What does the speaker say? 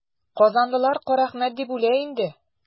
Казанлылар Карәхмәт дип үлә инде.